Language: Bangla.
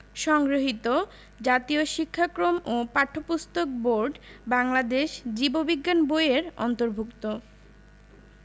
সংগৃহীত জাতীয় শিক্ষাক্রম ও পাঠ্যপুস্তক বোর্ড বাংলাদেশ জীব বিজ্ঞান বই এর অন্তর্ভুক্ত